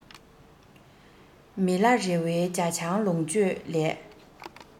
མི ལ རེ བའི ཇ ཆང ལོངས སྤྱོད ལས